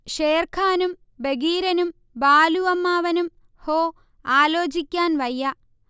ഷേർഖാനും ബഗീരനും ബാലു അമ്മാവനും ഹോ ആലോചിക്കാൻ വയ്യ